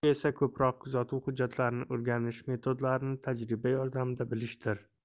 bu esa so'roq kuzatuv hujjatlarni o'rganish metodlarini tajriba yordamida bilishdir